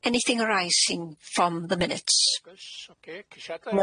Anything arising from the minutes? No